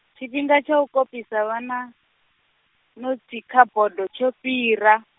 tshifhinga tsha u kopisa vhana, notsi kha bodo tsho fhira.